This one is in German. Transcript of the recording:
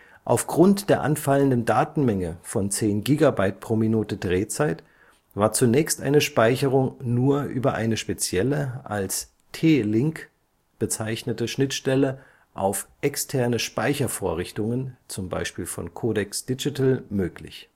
Aufgrund der anfallenden Datenmenge von 10 GB pro Minute Drehzeit war zunächst eine Speicherung nur über eine spezielle, als „ T-Link “(Transport-Link, ein in einen RGBA-Dual-Link HD-SDI-Strom gemäß SMPTE 372M abgebildetes ARRIRAW-Übertragungsprotokoll) bezeichnete Schnittstelle auf externe Speichervorrichtungen (z.B. von Codex Digital) möglich